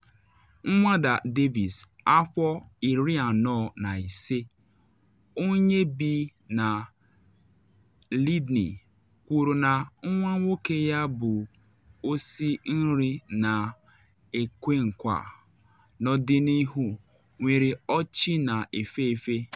Nwada Davis, afọ 45, onye bi na Lydney, kwuru na nwa nwoke ya bụ osi nri na ekwe nkwa n’ọdịnihu nwere ọchị na efe efe.